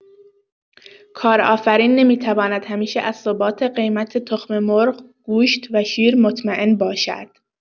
کارآفرین نمی‌تواند همیشه از ثبات قیمت تخم‌مرغ، گوشت و شیر مطمئن باشد.